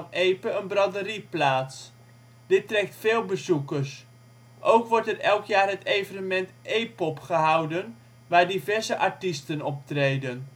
Epe een braderie plaats. Dit trekt veel bezoekers. Ook wordt er elk jaar het evenement E-pop gehouden, waar diverse artiesten optreden